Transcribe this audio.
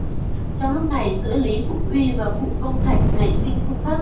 trong lúc này giữa lý phục uy và phụ công thạch nảy sinh xung khắc